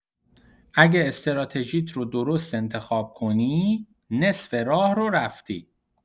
اگه استراتژیت رو درست انتخاب کنی، نصف راه رو رفتی!